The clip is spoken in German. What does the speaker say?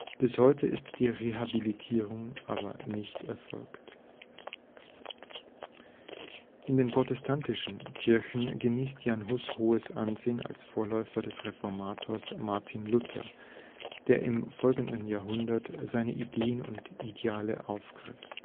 Bis zum Jahr 2014 ist die Rehabilitierung noch nicht erfolgt. Der Prager Maler Hans Stiegler malte im 18. Jahrhundert eine Gans hinter Luther, um anzudeuten, dass Hus Luthers Vorläufer sei. In den protestantischen Kirchen genießt Jan Hus hohes Ansehen als Vorläufer des Reformators Martin Luther, der im folgenden Jahrhundert seine Ideen und Ideale aufgriff